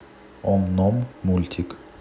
ом ном мультик